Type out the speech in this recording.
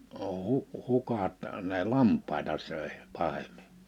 -- hukat ne lampaita söi pahemmin